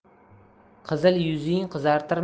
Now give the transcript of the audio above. qizil yuzing qizartirma